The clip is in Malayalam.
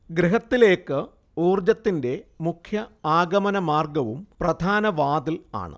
ഗൃഹത്തിലേക്ക് ഊർജ്ജത്തിന്റെ മുഖ്യ ആഗമനമാർഗ്ഗവും പ്രധാന വാതിൽ ആണ്